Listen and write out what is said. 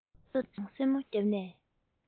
སོ དང སེན མོ བརྒྱབ ནས